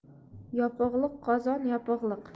yopig'liq qozon yopig'lik